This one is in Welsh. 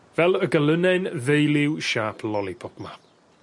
Fel y gelynen ddeuliw siâp lolipop 'ma.